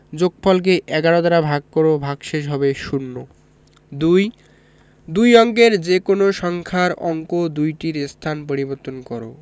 যোগফল কে ১১ দ্বারা ভাগ কর ভাগশেষ হবে শূন্য ২ দুই অঙ্কের যেকোনো সংখ্যার অঙ্ক দুইটির স্থান পরিবর্তন কর